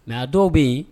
Na dɔw bɛ yen